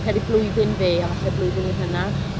Credu blwyddyn fe a falle blwyddyn yn hynach.